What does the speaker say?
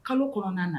Kalo kɔnɔna na